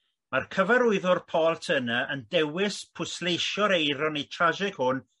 Mae'r cyfarwyddwr Paul Turner yn dewis pwysleisio'r eironi trasig hwn